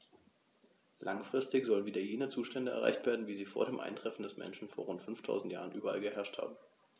Langfristig sollen wieder jene Zustände erreicht werden, wie sie vor dem Eintreffen des Menschen vor rund 5000 Jahren überall geherrscht haben.